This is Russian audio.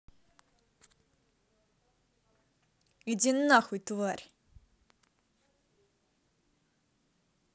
иди нахуй тварь